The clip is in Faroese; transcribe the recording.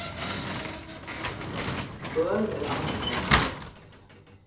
øl er annar maður